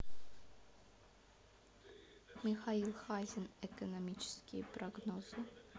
михаил хазин экономические прогнозы